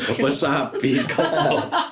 Wasabi Calpol.